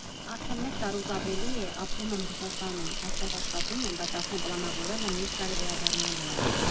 Արդեն մեկ տարուց ավելի է՝ ապրում եմ Ռուսաստանում, այստեղ աշխատում եմ, բայց արդեն պլանավորել եմ՝ մյուս տարի վերադառնալու եմ։